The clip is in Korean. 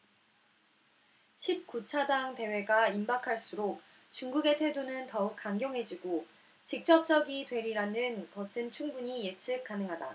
십 구 차 당 대회가 임박할수록 중국의 태도는 더욱 강경해지고 직접적이 되리리라는 것은 충분히 예측 가능하다